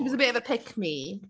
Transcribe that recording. She was a bit of a pick me.